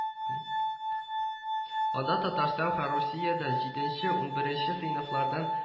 Анда Татарстан һәм Русиядән җиденче-унберенче сыйныфлардан